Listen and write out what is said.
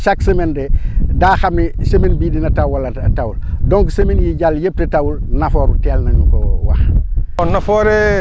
parce que chaque semaine de daa xam ne semaine bii dina taw wala tawul donc semaines yi jàll yëpp te tawul Nafoore teel nañu koo wax